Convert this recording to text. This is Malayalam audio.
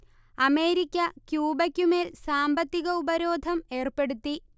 അമേരിക്ക ക്യൂബക്കുമേൽ സാമ്പത്തിക ഉപരോധം ഏർപ്പെടുത്തി